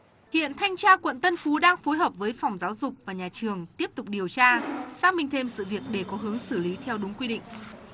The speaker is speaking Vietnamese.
hiện thanh tra quận tân phú đang phối hợp với phòng giáo dục và nhà trường tiếp tục điều tra xác minh thêm sự việc để có hướng xử lý theo đúng quy định